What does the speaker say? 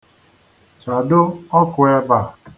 Chado ọkụ ebe a.